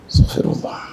Soso feere ba